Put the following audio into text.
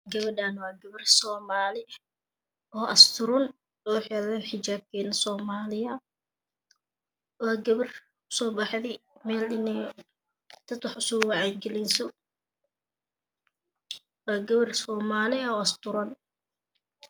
Gapadhaan waa gapar soomali oo asturan oo xijapkeedan somlia waa gapar uu soo baxaday meel supaxdii dad inii usoo waxcyo galiso waa gapar somali oo asturan